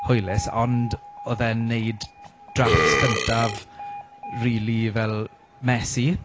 Hwylus on oedd e'n wneud draffts cyntaf rili fel messy.